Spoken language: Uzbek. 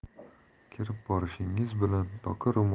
kirib borishingiz bilan doka